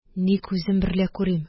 Ни күзем берлә күрим: